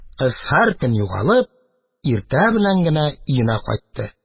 Кыз, һәр көн югалып, иртә белән генә өенә кайтты.